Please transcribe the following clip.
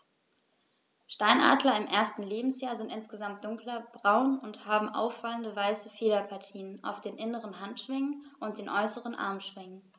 Steinadler im ersten Lebensjahr sind insgesamt dunkler braun und haben auffallende, weiße Federpartien auf den inneren Handschwingen und den äußeren Armschwingen.